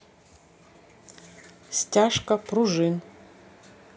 стяжка пружин